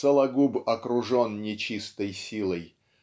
Сологуб окружен нечистой силой